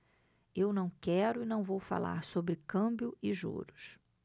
eu não quero e não vou falar sobre câmbio e juros